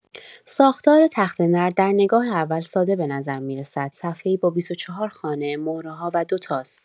ساختار تخته‌نرد در نگاه اول ساده به نظر می‌رسد: صفحه‌ای با بیست‌وچهار خانه، مهره‌ها و دو تاس.